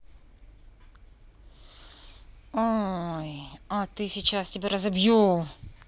ой а ты сейчас тебя разобью